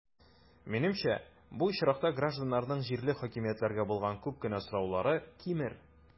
Минемчә, бу очракта гражданнарның җирле хакимиятләргә булган күп кенә сораулары кимер.